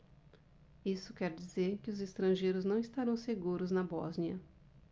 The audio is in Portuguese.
isso quer dizer que os estrangeiros não estarão seguros na bósnia